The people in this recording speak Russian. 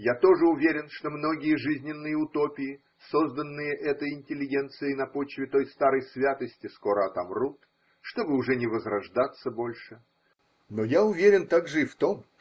Я тоже уверен, что многие жизненные утопии, созданные этой интелли генцией на почве той старой святости, скоро отомрут, чтобы уже не возрождаться больше. Но я уверен также и в том.